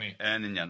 Yn union.